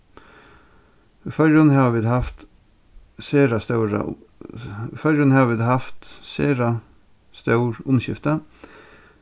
í føroyum hava vit havt sera stóra í føroyum hava vit havt sera stór umskifti